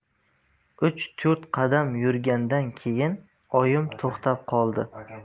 uch to'rt qadam yurgandan keyin oyim to'xtab qoldi